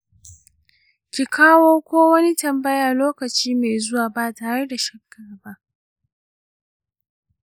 ki kawo ko wani tambaya lokaci mai zuwa ba tare da shakka ba.